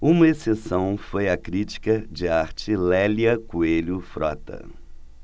uma exceção foi a crítica de arte lélia coelho frota